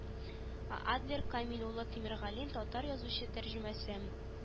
Адлер камил улы тимергалин татар язучы тәрҗемәче